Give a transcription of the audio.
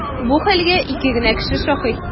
Бу хәлгә ике генә кеше шаһит.